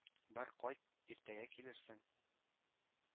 Бар, кайт, иртәгә килерсең.